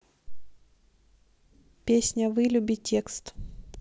песня вылюби текст